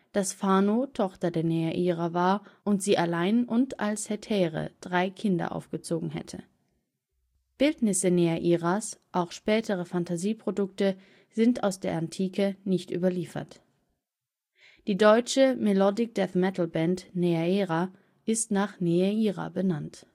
dass Phano Tochter der Neaira war und sie allein und als Hetäre drei Kinder aufgezogen hätte. Bildnisse Neairas, auch spätere Phantasieprodukte, sind aus der Antike nicht überliefert. Die deutsche Melodic Death Metal-Band Neaera ist nach Neaira benannt